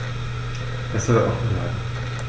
Das soll offen bleiben.